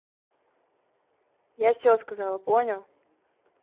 я все сказала понял